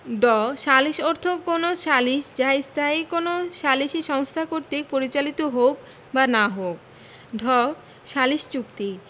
ড সালিস অর্থ কোন সালিস যাহা স্থায়ী কোন সালিসী সংস্থা কর্তৃক পরিচালিত হউক বা না হউক ঢ সালিস চুক্তি